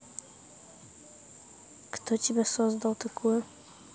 кто тебя создал такую